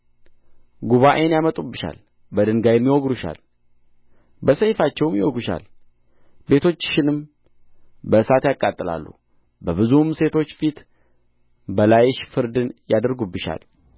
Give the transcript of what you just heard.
ጉባኤን ያመጡብሻል በድንጋይም ይወግሩሻል በሰይፋቸውም ይወጉሻል ቤቶችሽንም በእሳት ያቃጥላሉ በብዙም ሴቶች ፊት በላይሽ ፍርድን ያደርጉብሻል